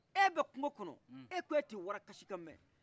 e bɛ kungo kɔnɔ e ko e tɛ warakasi kan mɛn